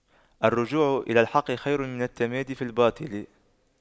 الرجوع إلى الحق خير من التمادي في الباطل